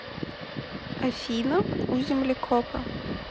афина у землекопа